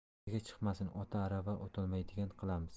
nega chiqmasin ot arava o'tolmaydigan qilamiz